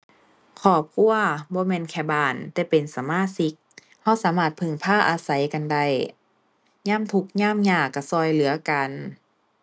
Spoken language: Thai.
ครอบครัวบ่แม่นแค่บ้านแต่เป็นสมาชิก เราสามารถพึ่งพาอาศัยกันได้ ยามทุกข์ยามยากเราเราเหลือกัน